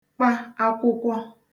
kpa akwụkwọ